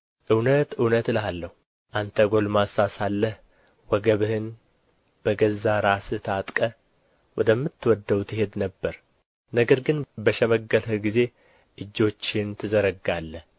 እውነት እውነት እልሃለሁ አንተ ጐልማሳ ሳለህ ወገብህን በገዛ ራስህ ታጥቀህ ወደምትወደው ትሄድ ነበር ነገር ግን በሸመገልህ ጊዜ እጆችህን ትዘረጋለህ